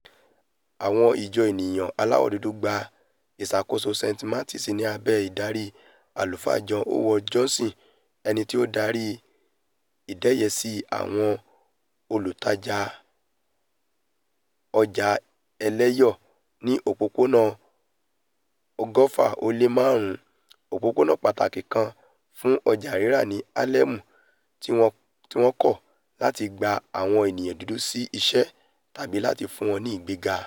Àwọn ìjọ eniyan aláwo dúdú gbà ìsàkóso St. Martin ni ábẹ ìdárí Àlùfáà John Howard Johnson, ẹnití ó darí ìdẹyẹsí àwọn olùtajà ọja ẹlẹyọ ní Òpópónà 125, òpópónà pàtàkì kan fun ọjà rírà ní Harlem, tí wọn kọ lati gba àwọn eniyan dúdú si iṣẹ́ tàbí lati fún wọn ní ìgbéga.